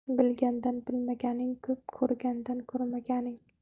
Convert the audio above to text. bilgandan bilmaganing ko'p ko'rgandan ko'rmaganing